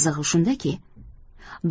qizig'i shundaki